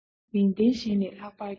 མིག ལྡན གཞན ལས ལྷག པར མགྱོགས